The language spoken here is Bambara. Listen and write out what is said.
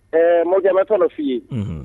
Ɛɛ mɔjatɔ f' ii ye